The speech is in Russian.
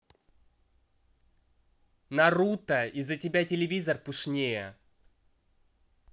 naruto из за тебя телевизор пушнее